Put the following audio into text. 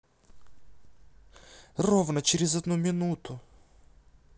ровно через одну минуту